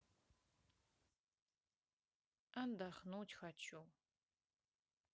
отдохнуть хочу